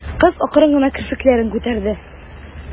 Кыз акрын гына керфекләрен күтәрде.